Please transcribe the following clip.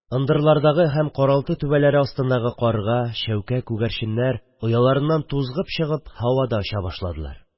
Ындырлардагы һәм каралты түбәләре астындагы каргалар, чәүкәләр, күгәрченнәр ояларыннан тузгып чыгып һавада оча башладылар.